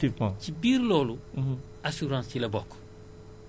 li ngeen di ne xoddeeku balaa ngay lakkle